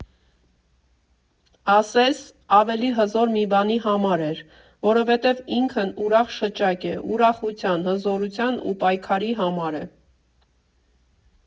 Ասես, ավելի հզոր մի բանի համար էր, որովհետև ինքն ուրախ շչակ է, ուրախության, հզորության ու պայքարի համար է։